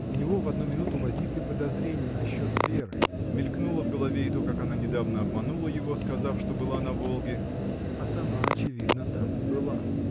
У него в одну минуту возникли подозрения насчет Веры, мелькнуло в голове и то, как она недавно обманула его, сказав, что была на Волге, а сама очевидно там не была.